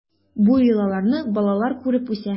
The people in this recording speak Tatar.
Бу йолаларны балалар күреп үсә.